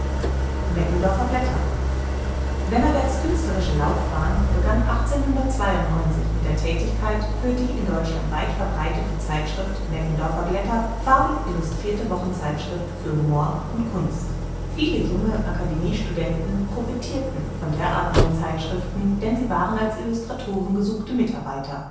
Meggendorfer Blätter “,„ Simplicissimus “,„ Lustige Blätter “,„ Die Woche “Wennerbergs künstlerische Laufbahn begann 1892 mit der Tätigkeit für die in Deutschland weit verbreitete Zeitschrift „ Meggendorfer Blätter. Farbig Illustrierte Wochenschrift für Humor und Kunst “. Viele junge Akademiestudenten profitierten von derartigen, neuen Zeitschriften, denn sie waren als Illustratoren gesuchte Mitarbeiter